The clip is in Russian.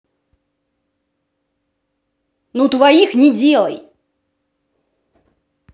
ну в твоих не делай